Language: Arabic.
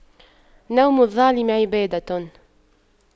نوم الظالم عبادة